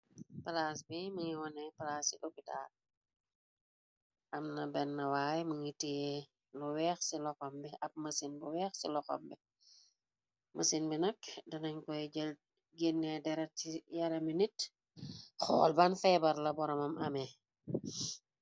palaas bi mingi wone plaase yi opitaal amna bennwaay mingi tee lu weex ci loxom bi ab masin bu weex ci loxom masin bi nak danañ koy génne derar ci yara mi nit xool ban feebar la boroomam amee